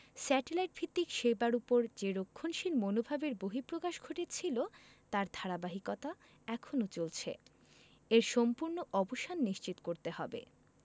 satellite ভিত্তিক সেবার ওপর যে রক্ষণশীল মনোভাবের বহিঃপ্রকাশ ঘটেছিল তার ধারাবাহিকতা এখনো চলছে এর সম্পূর্ণ অবসান নিশ্চিত করতে হবে